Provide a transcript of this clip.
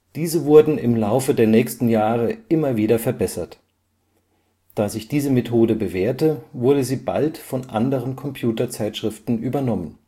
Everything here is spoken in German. Diese wurden im Laufe der nächsten Jahre immer wieder verbessert. Da sich diese Methode bewährte, wurde sie bald von anderen Computerzeitschriften übernommen